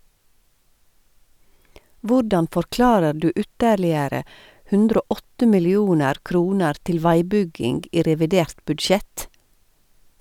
- Hvordan forklarer du ytterligere 108 millioner kroner til veibygging i revidert budsjett?